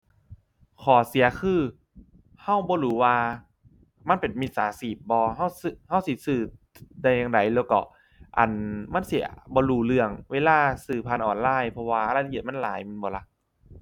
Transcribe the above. ข้อเสียคือเราบ่รู้ว่ามันเป็นมิจฉาชีพบ่เราซื้อเราสิซื้อได้จั่งใดแล้วก็ อั่น มันสิบ่รู้เรื่องเวลาซื้อผ่านออนไลน์เพราะว่ารายละเอียดมันหลายแม่นบ่ล่ะ